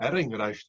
er enghraifft